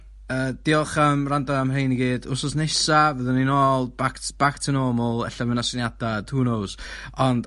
...yy diolch am wrando am rhein i gyd wthnos nesa byddwn ni nôl back to normal ella ma' 'na syniada who knows ond...